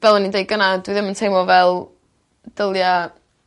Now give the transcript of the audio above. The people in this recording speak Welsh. fel o'n i'n deud gynna' dwi ddim yn teimlo fel dylia